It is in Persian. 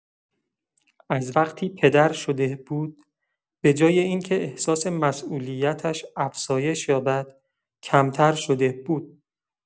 از وقتی پدر شده بود، به‌جای این‌که احساس مسئولیتش افزایش یابد، کمتر شده بود.